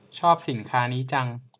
ชอบสินค้านี้จัง